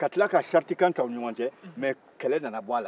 ka tila ka saritikan ta u ni ɲɔgɔn cɛ mɛ kɛlɛ nana b'a la